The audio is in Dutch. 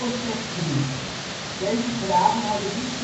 slechts drie. Deze graden hadden niets